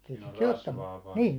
siinä on rasvaa vain